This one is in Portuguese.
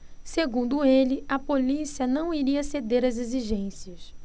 segundo ele a polícia não iria ceder a exigências